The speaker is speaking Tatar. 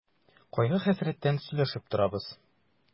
Кайгы-хәсрәттән сөйләшеп торабыз.